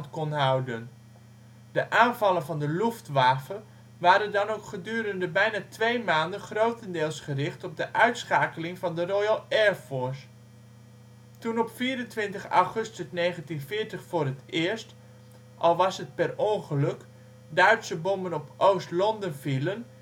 kon houden. De aanvallen van de Luftwaffe waren dan ook gedurende bijna twee maanden grotendeels gericht op de uitschakeling van de Royal Air Force. Toen op 24 augustus 1940 voor het eerst, al was het per ongeluk, Duitse bommen op Oost-Londen vielen